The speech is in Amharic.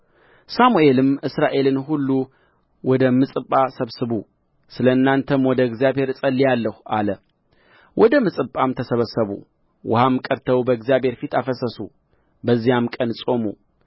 ሳሙኤልም እስራኤልን ሁሉ ወደ ምጽጳ ሰብስቡ ስለ እናንተም ወደ እግዚአብሔር እጸልያለሁ አለ ወደ ምጽጳም ተሰበሰቡ ውኃም ቀድተው በእግዚአብሔር ፊት አፈሰሱ በዚያም ቀን ጾሙ